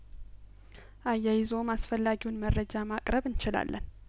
አያይዘውም አስፈላጊውን መረጃ ማቅረብ እንችላለን